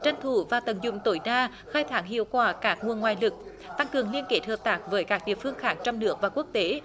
tranh thủ và tận dụng tối đa khai thác hiệu quả các nguồn ngoại lực tăng cường liên kết hợp tác với các địa phương khác trong nước và quốc tế